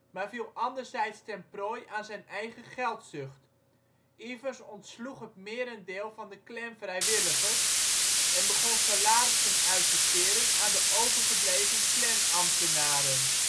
maar viel anderzijds ten prooi aan zijn eigen geldzucht. Evans ontsloeg het merendeel van de Klanvrijwilligers en begon salarissen uit te keren aan de overgebleven Klanambtenaren